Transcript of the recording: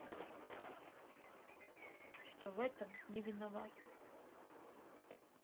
что в этом не виноват